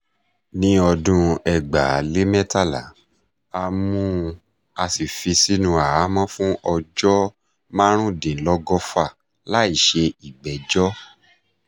Ní ọdún 2013, a mú u a sì fi sínú àhámọ́ fún ọjọ́ 115 láì ṣe ìgbẹ́jọ́.